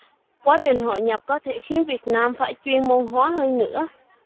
quá trình hội nhập có thể khiến việt nam phải chuyên môn hóa hơn nữa